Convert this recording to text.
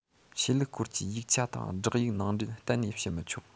ཆོས ལུགས སྐོར གྱི ཡིག ཆ དང བསྒྲགས ཡིག ནང འདྲེན གཏན ནས བྱེད མི ཆོག